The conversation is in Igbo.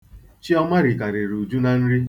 Chiọma rikarịrị Ujunwa na nri.